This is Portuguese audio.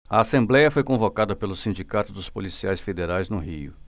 a assembléia foi convocada pelo sindicato dos policiais federais no rio